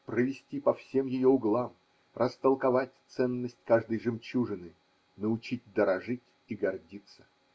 провести по всем ее углам, растолковать ценность каждой жемчужины, научить дорожить и гордиться.